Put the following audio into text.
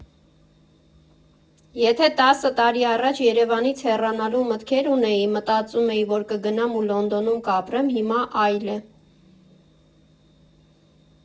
Եթե տասը տարի առաջ Երևանից հեռանալու մտքեր ունեի, մտածում էի, որ կգնամ ու Լոնդոնում կապրեմ, հիմա այլ է։